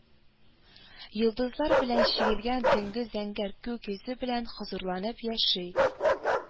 Йолдызлар белән чигелгән төнге зәңгәр күк йөзе белән хозурланып яши